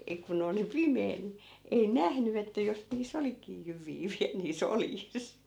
ei kun oli pimeä niin ei nähnyt että jos niissä olikin jyviä vielä niissä oljissa